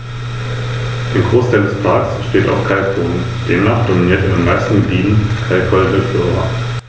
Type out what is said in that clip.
Ziel dieses Biosphärenreservates ist, unter Einbeziehung von ortsansässiger Landwirtschaft, Naturschutz, Tourismus und Gewerbe die Vielfalt und die Qualität des Gesamtlebensraumes Rhön zu sichern.